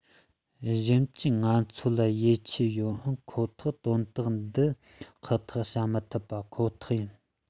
གཞན གྱིས ང ཚོ ལ ཡིད ཆེས ཡོད འོན ཁོ ཐག དོན དག འདི ཁག ཐེག བྱ མི ཐུབ པ ཁོ ཐག ཡིན